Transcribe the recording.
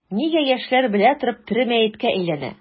Нигә яшьләр белә торып тере мәеткә әйләнә?